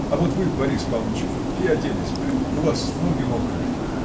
А вот вы, Борис Павлыч, переоделись бы: у вас ноги мокрые!